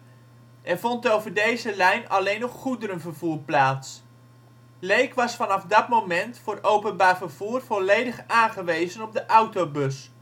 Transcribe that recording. deze lijn alleen nog goederenvervoer plaats. Leek was vanaf dat moment voor openbaar vervoer volledig aangewezen op de autobus